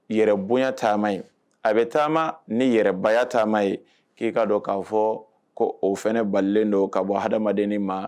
Yɛrɛ bonya taama ye a bɛ taama ni yɛrɛbaya taama ye k'i'a dɔn k'a fɔ ko o fana balilen don ka bɔ ha adamadamaden ma